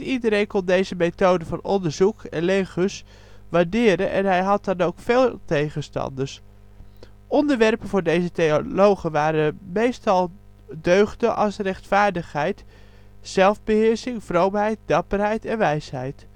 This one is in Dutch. iedereen kon deze methode van onderzoek (elenchus) waarderen en hij had dan ook vele tegenstanders. Onderwerpen voor deze dialogen waren meestal deugden als rechtvaardigheid, zelfbeheersing, vroomheid, dapperheid en wijsheid.